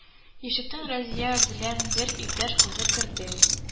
Ишектән Разия белән бер иптәш кызы керде